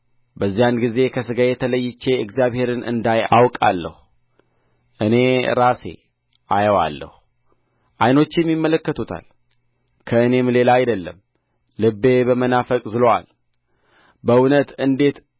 በዚያን ጊዜ ከሥጋዬ ተለይቼ እግዚአብሔርን እንዳይ አውቃለሁ እኔ ራሴ አየዋለሁ ዓይኖቼም ይመለከቱታል ከእኔም ሌላ አይደለም ልቤ በመናፈቅ ዝሎአል በእውነት እንዴት